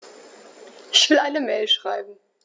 Ich will eine Mail schreiben.